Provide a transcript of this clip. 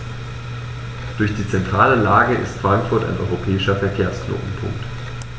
Durch die zentrale Lage ist Frankfurt ein europäischer Verkehrsknotenpunkt.